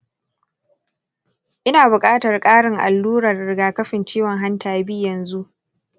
ina bukatar karin allurar rigakafin ciwon hanta b yanzu?